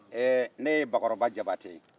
ɛ ne ye bakɔrɔba jabatɛ ye